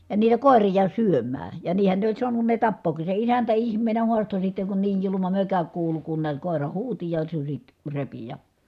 ja niitä koiria syömään ja niinhän ne oli saanut ne tappaakin se isäntä ihmeenä haastoi sitten kun niin julma mökä kuului kun näet koira huusi ja sudet repi ja